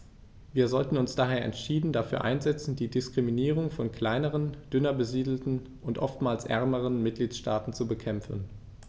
Wir sollten uns daher entschieden dafür einsetzen, die Diskriminierung von kleineren, dünner besiedelten und oftmals ärmeren Mitgliedstaaten zu bekämpfen.